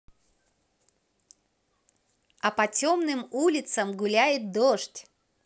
а по темным улицам гуляет дождь